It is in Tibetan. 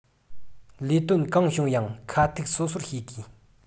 ལས དོན གང བྱུང ཡང ཁ ཐུག སོ སོར བྱེད དགོས